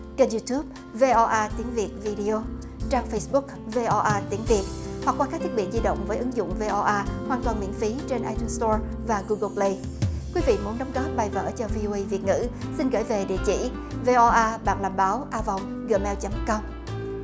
kênh diu túp vê o a tiếng việt vi đi âu trang phây búc vê o a tiếng việt hoặc qua các thiết bị di động với ứng dụng vê o a hoàn toàn miễn phí trên ai tun sờ to và gu gồ pờ lây quý vị muốn đóng góp bài vở cho vi ô ây việt ngữ xin gửi về địa chỉ vê o a bạn là báo a còng gờ meo chấm com